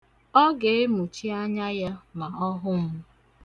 Ọ ga-emuchi anya ma ọ hụ m.